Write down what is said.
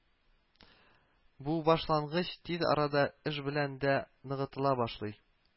Бу башлангыч тиз арада эш белән дә ныгытыла башлый